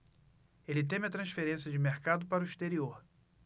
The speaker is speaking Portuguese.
ele teme a transferência de mercado para o exterior